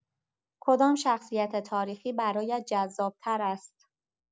کدام شخصیت تاریخی برایت جذاب‌تر است؟